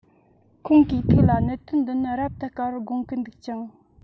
ཁོང གིས ཐུགས ལ གནད དོན འདི ནི རབ ཏུ དཀའ བར དགོངས ཀྱི འདུག ཅིང